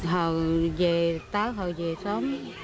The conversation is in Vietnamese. thờ dề táo thờ dề sớm